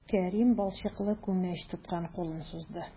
Кәрим балчыклы күмәч тоткан кулын сузды.